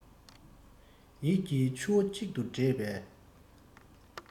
ཡིད ཀྱི ཆུ བོ གཅིག ཏུ འདྲེས པའི